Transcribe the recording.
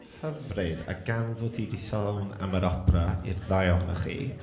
Hyfryd. A gan fod ti 'di sôn am yr opera, i'r ddau ohonoch chi..